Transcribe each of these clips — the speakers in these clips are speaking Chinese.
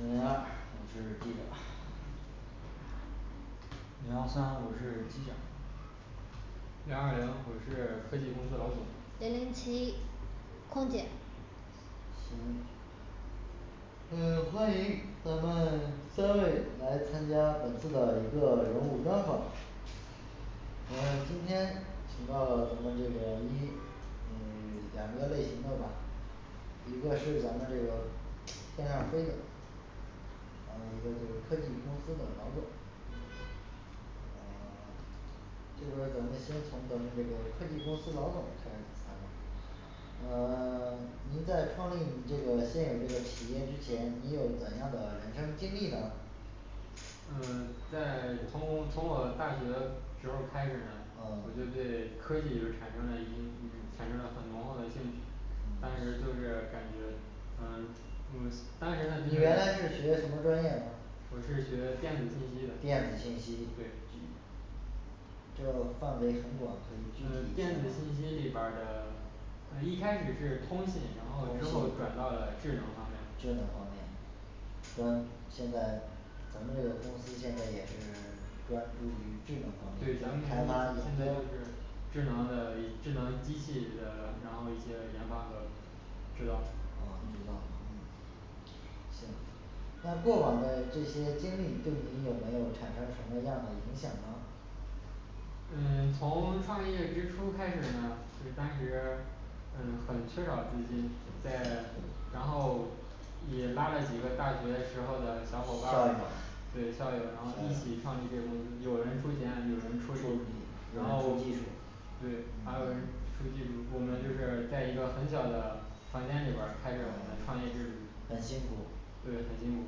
零零二我是记者零幺三我是机长零二零我是科技公司老总零零七空姐行。那欢迎咱们三位来参加本次的一个人物专访。我们今天请到了咱们这个一嗯两个类型的吧一个是咱们这个天上飞的啊一个科技公司的老总咱们就说咱们先从咱们这个科技公司老总开始来，啊 您在创立你这个现有这个企业之前，您有怎样的人生经历呢嗯在从从我大学时候儿开始的，我就哦对科技产生了一一产生了很浓厚的兴趣当嗯时就是感觉呃嗯当时你原来是学什么专业呢我是学电子信息的电子信息对这个范围很广嗯电子信息里边儿的，嗯一开始是通信，然后之后转到了智能方面智能方面专现在咱们这个公司现在也是专注于智能方对咱们面，开发现在都是智能的一智能机器的然后一些研发和知道哦知道嗯行。那过往的这些经历对你有没有产生什么样的影响呢嗯从创业之初开始呢，就当时很很缺少资金，在然后也拉着几个大学时候儿的小伙伴校儿友，对校友，然后一起创立这公司有人出钱，有人出力，为然了后技术对还有人出技术我们就是在一个很小的房间里边儿开始我们创业之旅很辛苦对很辛苦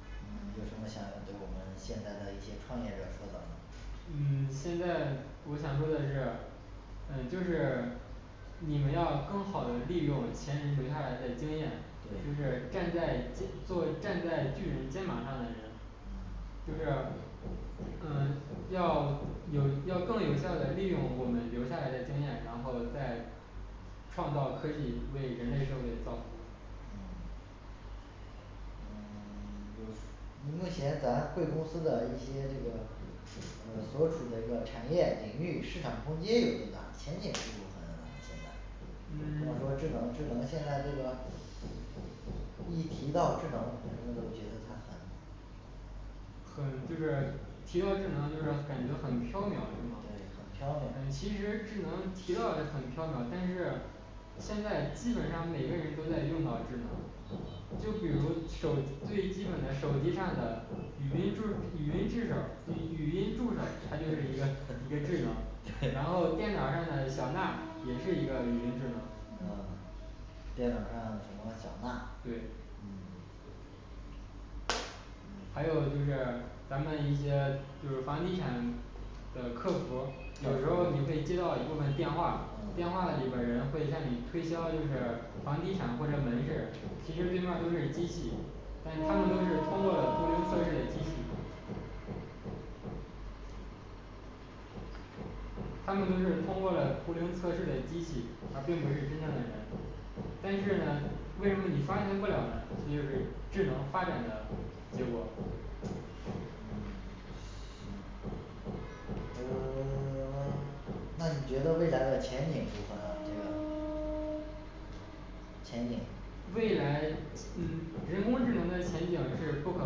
你们有什么想要对我们现在的一些创业者说的吗嗯现在我想说的是嗯就是你们要更好地利用前人留下来的经验，就对是站在做站在巨人肩膀上的人嗯就是嗯要有要更有效的利用我们留下来的经验，然后再创造科技，为人类社会造福嗯嗯 你目前咱贵公司的一些这个呃所处的一个产业领域，市场空间有多大前景是如何的咱们现在比嗯方说智 能智能现在这个一提到智能我们就觉得它很很就是提到智能就是感觉很飘渺是吗对很飘其渺的实智能提到的很飘渺但是现在基本上每个人都在用到智能，就比如手最基本的手机上的语音助语音助手语语音助手它就是一个一个智能对然后电脑儿上的那小娜也是一个语音智能嗯电脑上什么小娜，嗯对嗯还有就是咱们一些就是房地产的客服有时候儿你会接到一部分电话嗯里边儿人会向你推销就是房地产或者门市，其实对方都是机器但是他们都是通过了测试的机器他们都是通过了图灵测试的机器，而并不是真正的人。 但是呢为什么你发现不了，其实就是智能发展的结果嗯嗯呃 啊那你觉得未来的前景是怎么的前景未来嗯人工智能的前景是不可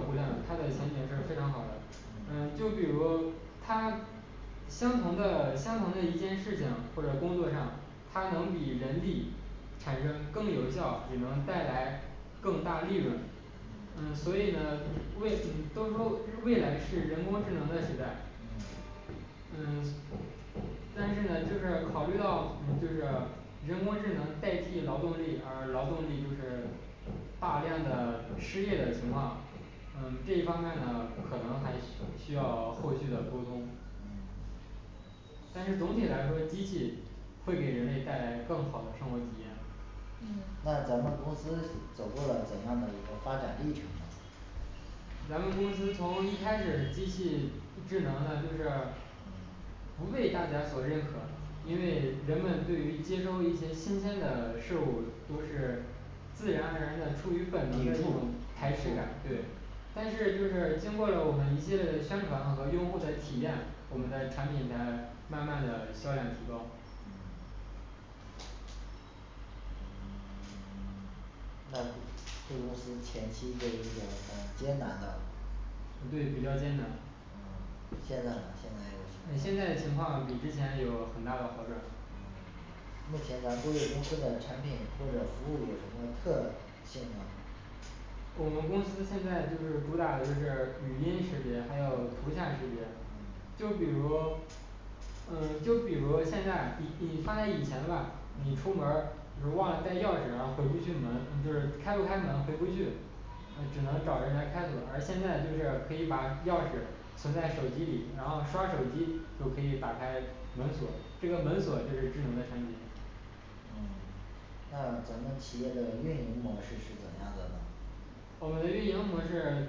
估量的，它的前景是非常好的嗯就嗯比如它相同的相同的一件事情或者工作上，他能比人力产生更有效，也能带来更大利润。嗯嗯所以呢未嗯都说是 未来是人工智能的时代嗯但是呢就是考虑到嗯就是人工智能代替劳动力而劳动力就是大量的失业的情况，嗯这一方面呢可能还需需要后续的沟通嗯但是总体来说，机器会给人类带来更好的生活体验。嗯那咱们公司走过了怎样的一个发展历程呢咱们公司从一开始机器智能呢就是嗯不被大家所认可因为人们对于接受一些新鲜的事物都是自然而然的出于本能的这种排斥感对但是就是经过了我们一系列的宣传和用户的体验，我们的产品才慢慢的销量提高。嗯 嗯 那这公司前期就是这种很艰难的对，比较艰难嗯现在呢现现在也是在的情况比之前有很大的好转嗯目前咱们贵公司的产品或者服务有什么特性呢我们公司现在就是主打的就是语音识别，还有图像识别，嗯就比如嗯就比如现在你你三点以前吧你出门儿忘了带钥匙啊，回不去门，你就是开不开门回不去只能找人来开锁，而现在就是可以把钥匙存在手机里，然后刷手机就可以打开门锁，这个门锁就是智能的产品嗯那咱们企业的运营模式是怎样的呢我们的运营模式，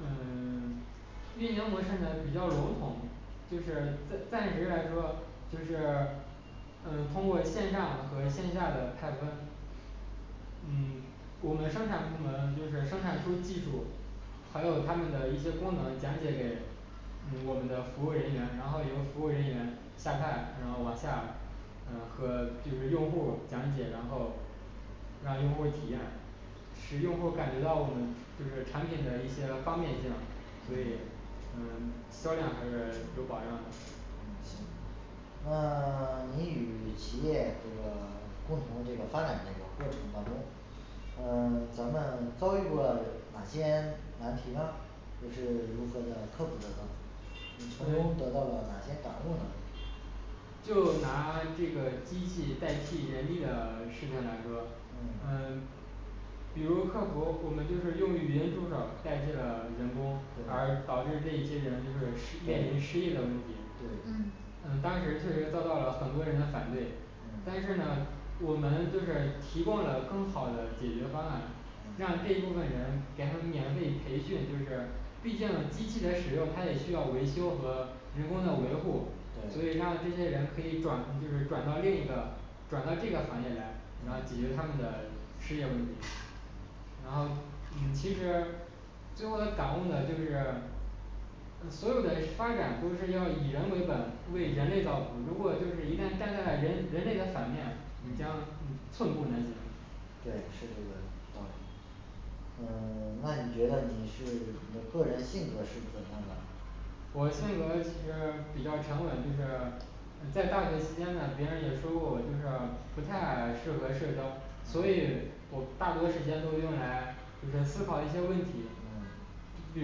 嗯 运营模式呢比较笼统，就是暂暂时来说就是嗯通过线上和线下的拆分嗯我们生产部门就是生产出技术，还有他们的一些功能讲解给嗯我们的服务人员然后由服务人员下派，然后往下呃和就是用户儿讲解，然后让用户儿体验使用户儿感觉到我们就是产品的一些方便性。所以嗯销量是有保障嗯行那 你与企业这个共同这个发展这个过程当中，嗯咱们遭遇过哪些难题呢？就是如何的克服的呢？你从中得到了哪些感悟呢就拿这个机器代替人力的事情来说嗯嗯，比如客服我们就是用语音助手代替了人工而对导致这一些人就是失面临失业的问题，对嗯嗯当时确实遭到了很多人的反对但是呢我们就是提供了更好的解决方案，让这嗯一部分人给他们免费培训就是，毕竟机器的使用它也需要维修和人工的维护，所以对让这些人可以转就是转到另一个转到这个行业来，然后解决嗯他们的失业问题然后嗯其实最后的感悟呢就是所有的发展都是要以人为本为人类造福，如果就是一旦站在人类人类的反面，你将寸步难行对是这个话？呃 那你觉得你是你的个人性格是怎样的？我性格其实比较沉稳，就是在大学期间呢别人也说过就是不太适合社交，所以我大多时间都用来就是思考一些问题嗯比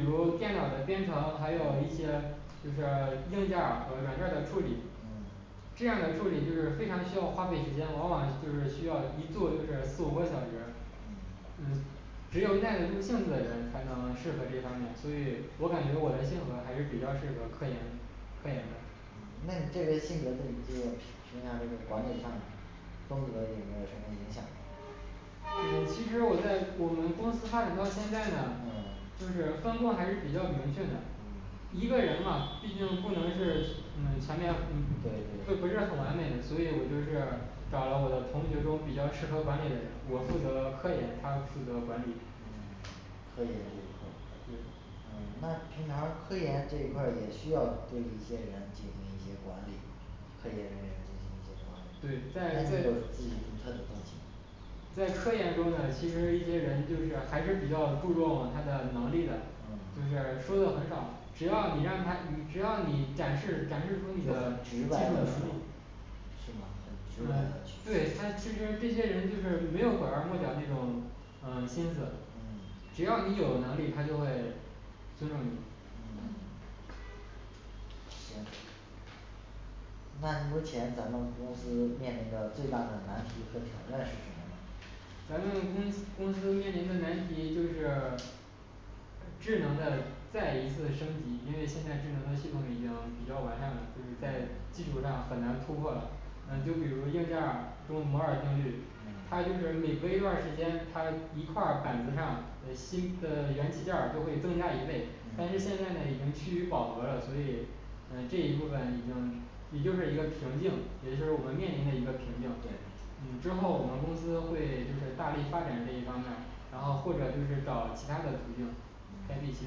如电脑的编程，还有一些就是硬件儿和软件儿的处理，嗯这样的处理就是非常需要花费时间，往往就是需要一坐就是四五个小时嗯嗯，只有耐得住性子的人才能适合这方面，所以我感觉我的性格还是比较适合科研科研的嗯那你这个性格对你这个平平常这个管理上风格有没有什么影响呢嗯其实我在我们公司发展到现在呢嗯就是分工还是比较明确的，嗯一个人嘛毕竟不能是嗯前面嗯就不对对是很完美的所以我就是找了我的同学中比较适合管理的人，我负责科研他负责管理嗯科研这一块儿科 呃那平常科研这一块儿也对一些人进行一些管理，科研人员进行一些管理对带有在自在己独特的东西在科研中呢其实一些人就是还是比较注重他的能力的，就嗯是说的很少只要你让他只要你展示展示出你的技术能力对，但其实这些人就是没有拐弯抹角那种呃心思，只嗯要你有能力，他就会尊重你。嗯嗯行那你目前咱们公司面临的最大的难题和挑战是什么呢咱们公公司面临的难题就是 呃智能的再一次升级，因为现在智能的系统已经比较完善了，就是在基础上很难突破了嗯就比如硬件儿中摩尔定律它就嗯是每隔一段儿时间，它一块儿板子上的新的元器件儿就会增加一倍，但是现嗯在呢已经趋于饱和了，所以呃这一部分已经也就是一个瓶颈，也就是我们面临的一个瓶颈对嗯之后，我们公司会就是大力发展这一方面儿，然后或者就是找其他的途径开辟其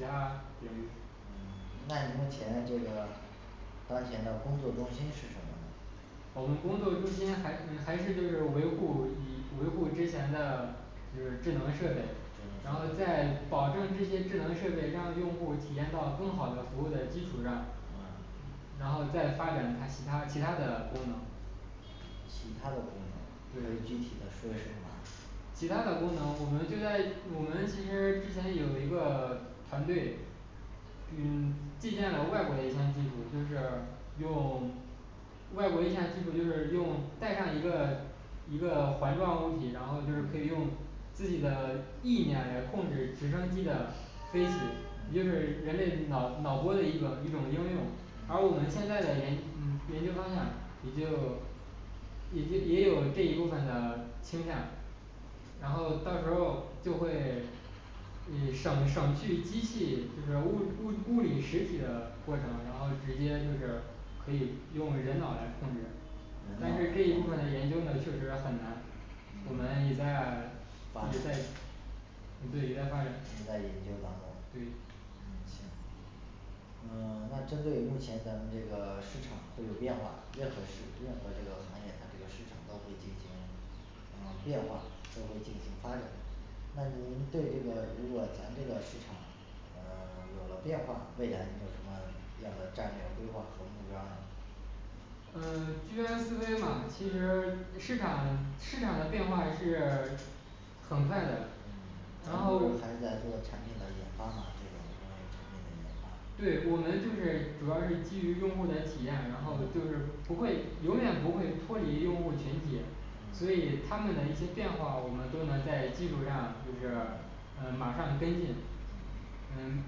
他领域嗯，嗯那你目前这个当前的工作重心是什么我们工作中心还嗯还是就是维护以维护之前的嗯智能设备智，然后能设在备保证这些智能设备，让用户儿体验到更好的服务的基础上嗯，然后再发展它其它其它的功能。其他的功能。可以具对体的说一说吗其他的功能我们就在 我们其实之前有一个团队嗯借鉴了外国的一项技术，就是用外国一项技术就是用带上一个一个环状物体然后就是可以用自己的意念来控制直升机的飞行也就是人类脑脑波的一个一种应用而我们现在的研嗯研究方向也就也就也有这一部分的倾向，然后到时候就会嗯省省去机器就是物物物理实体的过程，然后直接就是可以用人脑来控制，但是这一部分的研究确实很难，我们嗯也在也在嗯也在对研究当中，嗯对行呃那针对目前咱们这个市场会有变化，任何事任何这个行业它这个市场都会进行呃变化，都会进行发展那您对这个如果咱这个市场额有了变化，未来你有什么样的战略规划和目标儿呢嗯 居安思危吧，其实市场市场的变化是很快的。然后嗯现在在做产品的研发吗这个还有产品的研发对，我们就是主要是基于用户儿的体验，然后就是不会永远不会脱离用户群体所以嗯他们的一些变化我们都能在技术上就是嗯马上跟进嗯嗯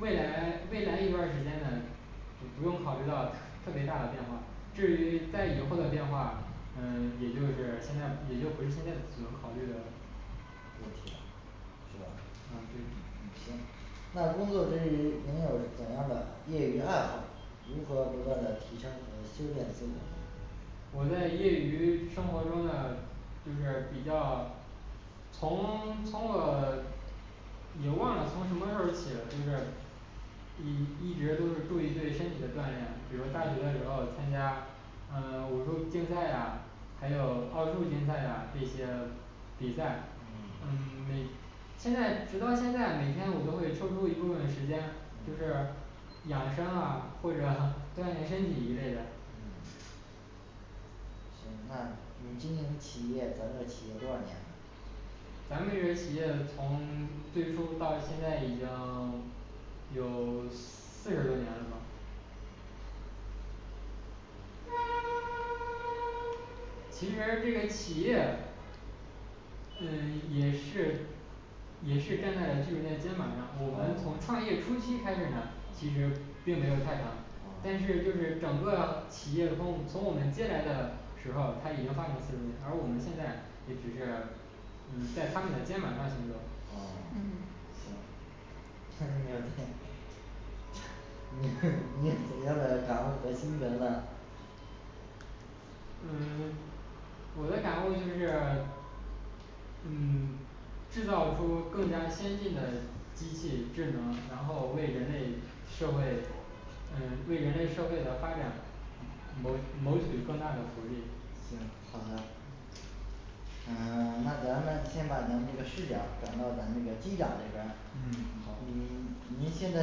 未来未来一段儿时间呢就不用考虑到特别大的变化，至于在以后的变化，嗯也就是现在也就是现在能考虑的问题对吧，呃嗯对行那工作之余你您有怎样的业余爱好，如何不断的提升和修炼自己我在业余生活中呢就是比较从通了也忘了从什么时候儿起了就是一一直都是注意对身体的锻炼，比如大学的时候参加嗯武术竞赛呀，还有奥数竞赛呀这些比赛嗯嗯你现在直到现在每天我都会抽出一部分时间就是嗯养生啊或者锻炼身体一类的嗯行，那你经营企业咱这个企业多少年啦咱们这个企业从最初到现在已经 有 四十多年了吧其实这个企业嗯也是也是站在了巨人的肩膀上，我们从嗯创业初期开始呢其实嗯并没有太大，但是嗯就是整个企业从从我们接来的时候，它已经发展四十年，而我们现在也只是嗯在他们的肩膀上选择嗯嗯行嗯我的感悟就是嗯制造出更加先进的机器智能，然后为人类社会嗯为人类社会的发展木 谋谋取更大的福利行好的嗯 那咱们先把咱们这个视角儿转到咱这个机长这边儿。嗯好嗯 您现在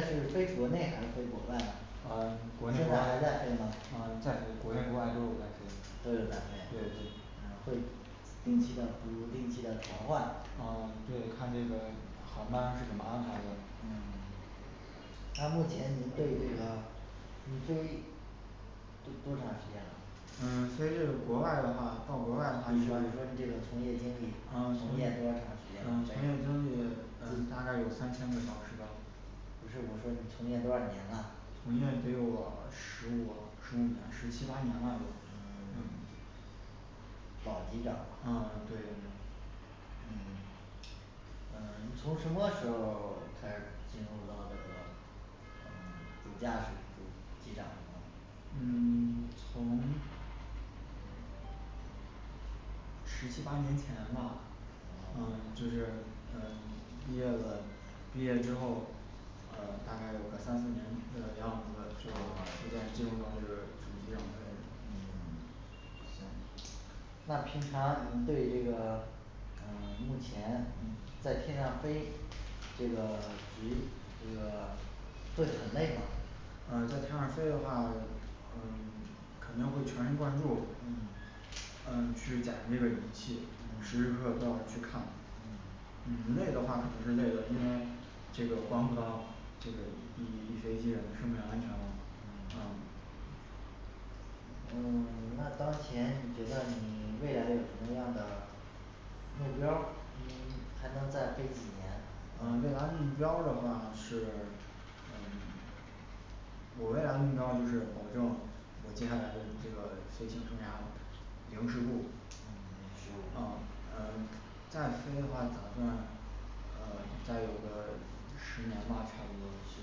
是飞国内还是飞国外呢呃国，内现国外在还在飞吗嗯在飞国内国外都有在飞都有在对飞对嗯嗯会定期的不定期的调换啊对看这个航班是怎么安排的。嗯 那目前你对这个你飞这多长时间了？不是我说你从业多少年了嗯飞这个国外的话到国外的话呃你的从从业业经经历历，从业多长时间了嗯大概有三三个小时吧不是我说你从业多少年了从业得有十五十五年十七八年吧有嗯 嗯对 嗯呃你从什么时候开始进入到这个嗯主驾驶机机长地方嗯 从十七八年前吧嗯就是嗯毕业了，毕业之后呃大概有个三四年的样子就逐渐进入到这个主机长的位置嗯行。那平常你对这个嗯目前在天上飞。这个谁？这个会很累吗嗯在天上飞的话，嗯肯定会全神贯注嗯呃去展示这个仪器，时时刻刻都嗯要去看嗯嗯累的话肯定是累的，因为这个关乎到这个一一飞机人的生命安全嘛嗯啊嗯 那当前你觉得你未来有什么样的目标儿，你还能再飞几年嗯未来目标的话是嗯我未来目标就是保证我接下来的这个飞行生涯零失误嗯嗯也是零我失误再飞的话咋算？呃再有个十年吧差不多十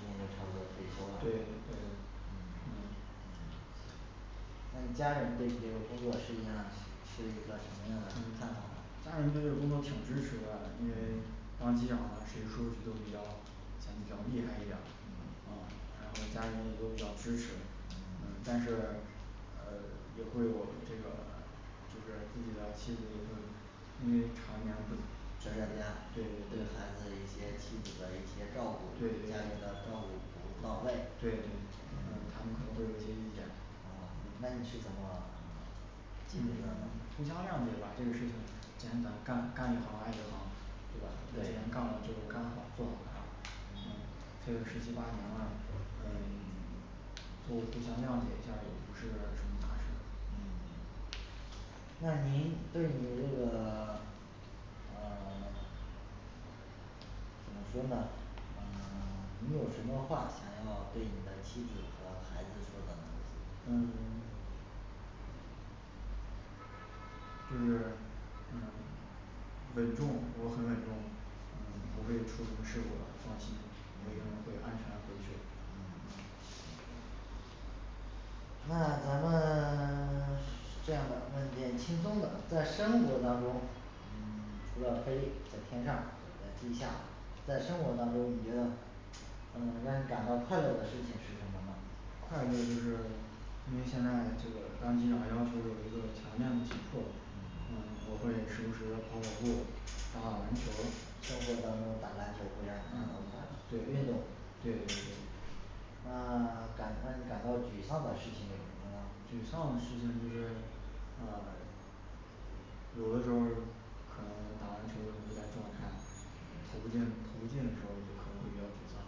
年差不多退休对差不多啦嗯嗯那你家人对你这个工作实际上是一个什么样的看家法呢里人对工作挺支持的因为当机长了，谁出去都比较显比较厉害一点儿，嗯嗯然后家里人也都比较支持，但嗯是呃也会有这个就是自己的妻子也会因为常年不在家对对对对孩对子的一些妻子的一些照顾，对家庭对的照顾不到位对对，啊那你是怎么嗯互相谅解吧这个事情既然咱干干一行爱一行，对吧？既然干了对就干好做好它嗯嗯接了十七八年了嗯 也互相谅解一下儿，也不是什么大事嗯那您对你的这个 呃 怎么说呢？呃 你有什么话想要对你的妻子和孩子说的嗯 就是嗯稳重，我很稳重，不嗯会出什么事的放心，我一定会嗯安全回去嗯那咱们 这样问点儿轻松的在生活当中，嗯 除了飞在天上，呃在地下，在生活当中你嗯让你感到快乐的事情是什么呢快乐就是因为现在这个当机长要求有一个强健的体魄，嗯嗯我会时不时的跑跑步打打篮球，生活当中打篮球会让你感到快对乐对运对动对啊 感啊 感到沮丧的事情有什么呢沮丧的事情就是啊有的时候儿可能打完球不在状态，投不进投不进时候儿就可能就比较沮丧，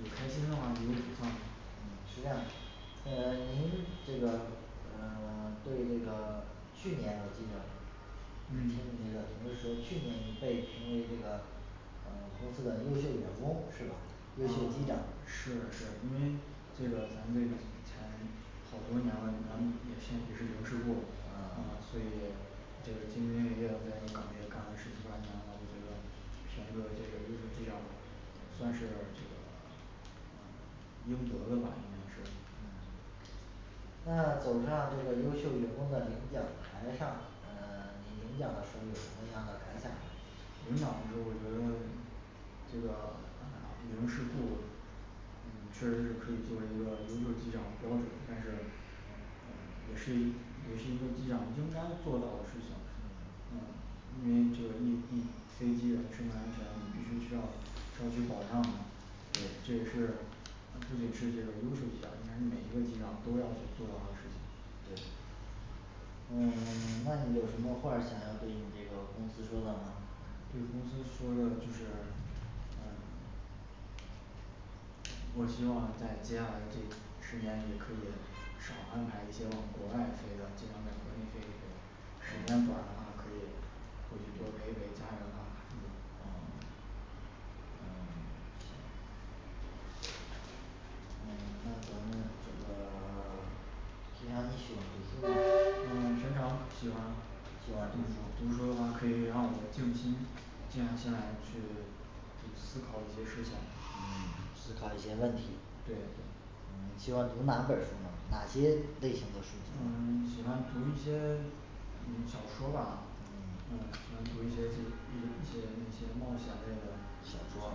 有开心的话就有沮丧嗯是这样那您这个呃 对这个去年我记着，嗯去年你被评为这个呃公司的优秀员工是吧优秀机长是是因为这个咱这个前好多年了啊也现也是零事故啊所以这个兢兢业业在这个岗位干了十七八年了我觉得评个这个优秀机长算是这个你要有的话肯定是嗯那走上这个优秀员工的领奖台上，嗯 你领奖的时候有什么样的感想呢领奖我觉得这个零事故嗯确实是可以作为一个优秀机长的标准，但是也是一也是一个机长应该做到的事情。啊因为这个一一飞机人的生命安全必须需要要去保障。对这个是嗯不仅是一个优秀机长应该每一个机长都要去做的事对嗯 那你有什么话儿想要对你这个公司说的吗对公司说的就是嗯我希望在接下来这十年里可以少安排一些往国外飞的这方面都时间短的话可以回去多陪陪家人啊嗯嗯行呃那咱们这个 平常你喜欢读书吗嗯平常喜欢喜欢读读书书的话可以让我静心，静下心来去去思考一些事情嗯思考一些问题对嗯喜欢读哪本书呢那些类型的书籍嗯 喜欢读一些 嗯小说儿吧，嗯嗯可能读一些就一些一些梦想类的小小说说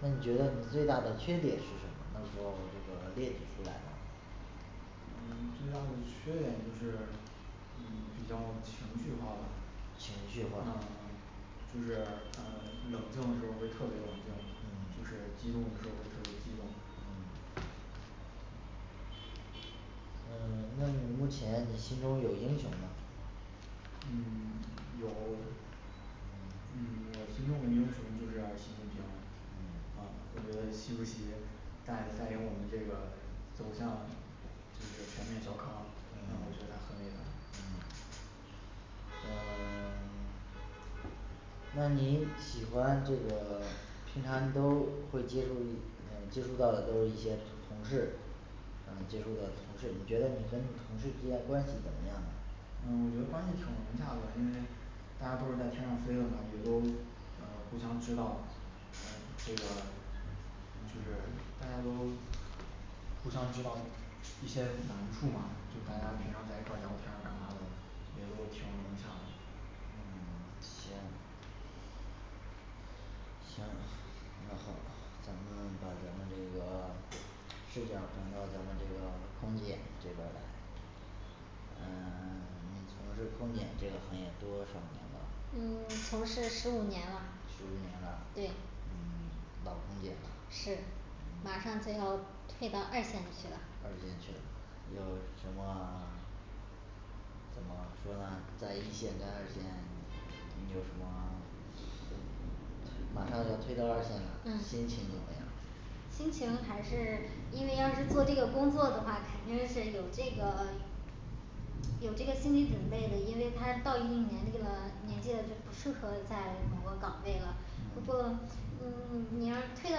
那你觉得你最大的缺点是什么能否这个列举出来呢嗯最大的缺点就是嗯比较情绪化吧情绪嗯嗯嗯化就是嗯冷静的时候儿会特别冷静，就是嗯激动的时候会特别激动嗯呃那你目前你心中有英雄吗走向这个全面小康然后这就嗯可以了嗯呃 那您喜欢这个平常都都会接触一嗯接触到的都是一些同事嗯接触的同事，你觉得你跟同事之间关系怎么样？嗯 我觉得关系挺融洽的，因为大家都是在天上飞嘛，有时候嗯互相知道，这个就是大家都互相知道一些难处嘛，就大家平常在一块聊天干嘛的也都挺融洽的嗯行行，那好。咱们把咱们那个视角儿转到咱们这个空姐这边儿来，嗯 你从事空姐这个行业多少年了？嗯从事十五年了十五年对了嗯老空姐了是马上就要退到二线去了二线去了，有什么 怎么说呢在一线跟二线，你有什么马上要退到二线了嗯心情怎么样心情还是因为要是做这个工作的话，肯定是有这个 有这个心理准备的，因为它到一定年龄了，年纪了就不适合在某个岗位了，不过嗯 你要是退到